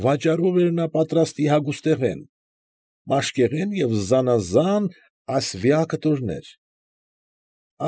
Վաճառում էր նա պատրաստի հագուստեղեն, մաշկեղեն և զանազան ասվյա կտորներ։